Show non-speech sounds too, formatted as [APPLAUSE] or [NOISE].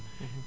[HESITATION] [HESITATION]